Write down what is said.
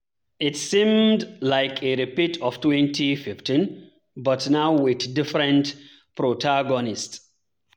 It seemed like a repeat of 2015 but now with different protagonists.